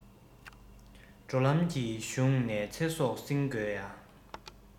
འགྲོ ལམ གྱི གཞུང ནས ཚེ སྲོག བསྲིངས དགོས ཡ